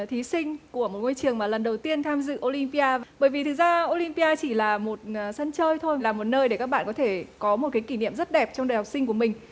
thí sinh của một ngôi trường mà lần đầu tiên tham dự ô lim pi a bởi vì thực ra ô lim pi a chỉ là một là sân chơi thôi là một nơi để các bạn có thể có một cái kỷ niệm rất đẹp trong đời học sinh của mình